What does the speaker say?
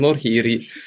mor hir i